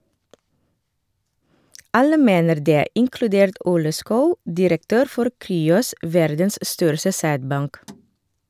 "Alle mener det, inkludert Ole Schou, direktør for Cryos, verdens største sædbank".